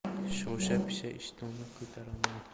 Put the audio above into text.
shosha pisha ishtonni ko'taraman